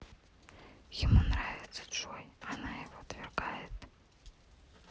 ему нравится джой а она его отвергает